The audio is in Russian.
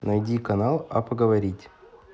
найди канал а поговорить